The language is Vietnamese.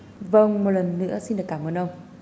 vâng một lần nữa xin được cảm ơn ông